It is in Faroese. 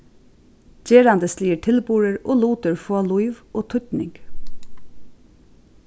gerandisligir tilburðir og lutir fáa lív og týdning